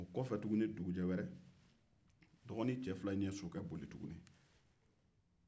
don wɛrɛ dɔgɔnin cɛ fila in ye sokɛ boli tuguni